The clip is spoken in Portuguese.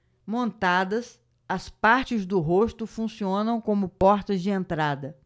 montadas as partes do rosto funcionam como portas de entrada